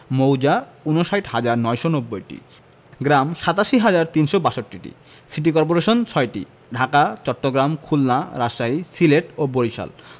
মৌজা ৫৯হাজার ৯৯০টি গ্রাম ৮৭হাজার ৩৬২টি সিটি কর্পোরেশন ৬টি ঢাকা চট্টগ্রাম খুলনা রাজশাহী সিলেট ও বরিশাল